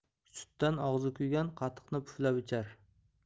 sutdan og'zi kuygan qatiqni puflab ichar